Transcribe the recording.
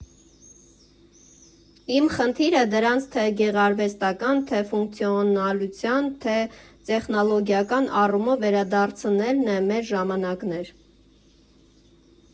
Իմ խնդիրը դրանց թե՛ գեղարվեստական, թե՛ ֆունկցիոնալության, թե՛ տեխնոլոգիական առումով վերադարձնելն է մեր ժամանակներ։